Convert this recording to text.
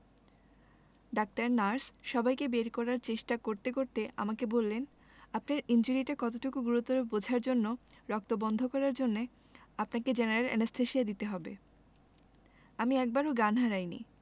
doctor nurse সবাইকে বের করার চেষ্টা করতে করতে আমাকে বললেন আপনার ইনজুরিটা কতটুকু গুরুতর বোঝার জন্যে রক্ত বন্ধ করার জন্যে আপনাকে জেনারেল অ্যানেসথেসিয়া দিতে হবে আমি একবারও জ্ঞান হারাইনি